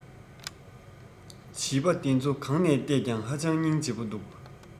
བྱིས པ འདི ཚོ གང ནས ལྟས ཀྱང ཧ ཅང རྙིང རྗེ པོ འདུག